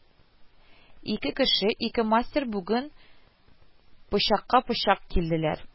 Ике кеше, ике мастер бүген пычакка-пычак килделәр: